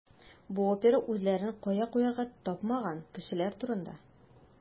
Бу опера үзләрен кая куярга тапмаган кешеләр турында.